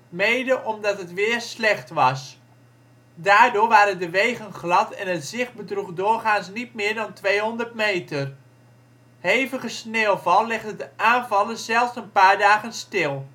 mede omdat het weer slecht was. Daardoor waren de wegen glad en het zicht bedroeg doorgaans niet meer dan tweehonderd meter. Hevige sneeuwval legde de aanvallen zelfs een paar dagen stil